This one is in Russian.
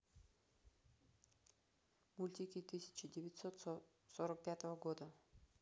мультики тысяча девятьсот сорок пятого года